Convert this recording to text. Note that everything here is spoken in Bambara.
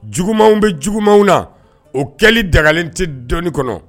Jugumanw bɛ jugumanw na o kɛli dagalen tɛ dɔnnii kɔnɔ